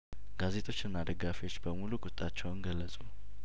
ጋዜጦችና ደጋፊዎች በሙሉ ቁጣቸውን ገለጹ